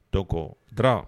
Toko d tarawele